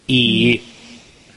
i